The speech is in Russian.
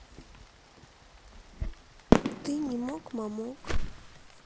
ты немок мамок